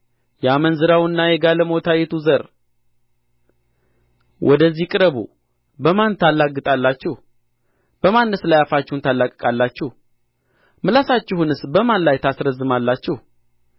የአመንዝራውና የጋለሞታይቱ ዘር ወደዚህ ቅረቡ በማን ታላግጣላችሁ በማንስ ላይ አፋችሁን ታላቅቃላችሁ ምላሳችሁንስ በማን ላይ ታስረዝማላችሁ